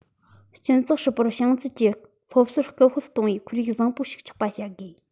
སྤྱི ཚོགས ཧྲིལ པོར བྱང ཚད ཀྱི སློབ གསོར སྐུལ སྤེལ གཏོང བའི ཁོར ཡུག བཟང པོ ཞིག ཆགས པ བྱ དགོས